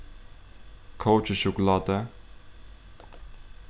kókisjokulátu